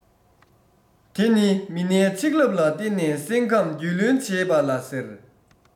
དེ ནི མི སྣའི ཆིག ལབ ལ བརྟེན ནས སེམས ཁམས རྒྱུས ལོན བྱེད པ ལ ཟེར